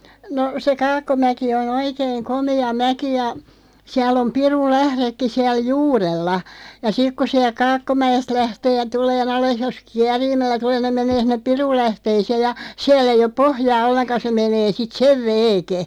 no se Kaakkomäki on oikein komea mäki ja siellä on pirunlähdekin siellä juurella ja sitten kun sieltä Kaakkomäestä lähtee ja tulemaan alas jos kierimällä tulee niin menee sinne pirunlähteeseen ja siellä ei ole pohjaa ollenkaan se menee sitten sen veeken